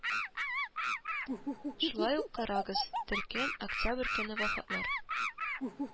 Шулай ук карагыз: Төркем:октябрь көнне вафатлар